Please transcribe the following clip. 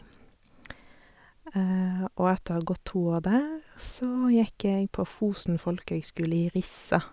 Og etter å ha gått to år der så gikk jeg på Fosen Folkehøgskole i Rissa.